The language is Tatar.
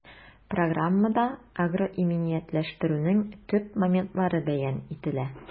Программада агроиминиятләштерүнең төп моментлары бәян ителә.